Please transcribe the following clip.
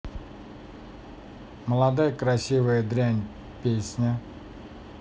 молодая красивая дрянь песня